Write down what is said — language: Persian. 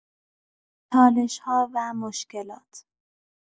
چالش‌ها و مشکلات